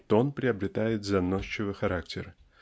тон приобретает заносчивый характер.